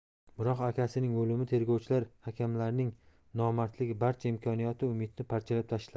biroq akasining o'limi tergovchilar hakamlarning nomardligi barcha imkoniyatu umidni parchalab tashladi